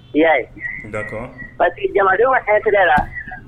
I y'a n datɔ pa jamadenw hɛrɛ kɛrɛ la